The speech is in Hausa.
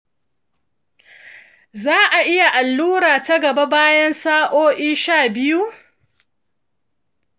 za a yi allura ta gaba bayan sa'o'i goma sha biyu.